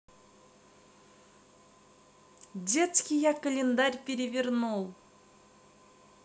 детский я календарь перевернул